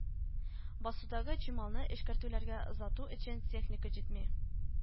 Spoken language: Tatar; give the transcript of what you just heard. Басудагы чималны эшкәртүчеләргә озату өчен техника җитми